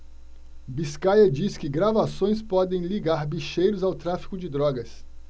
biscaia diz que gravações podem ligar bicheiros ao tráfico de drogas